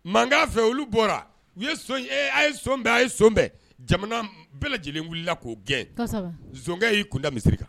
Mankan fɛ olu bɔra u ye a ye bɛɛ a ye son bɛɛ jamana bɛɛ lajɛlen wulila k'o gɛnkɛ y'i kun da misisiri kan